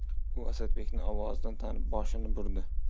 u asadbekni ovozidan tanib boshini burdi